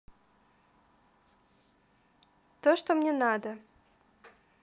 то что мне надо